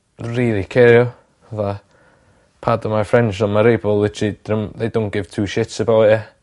rili cêro fatha pardon my French on' ma' rei pobol literally don- they don't give two shits abou it yeah.